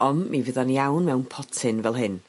on' mi fydd o'n iawn mewn potyn fel hyn.